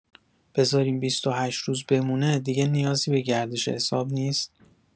بزاریم ۲۸ روز بمونه دیگه نیازی به گردش حساب نیست؟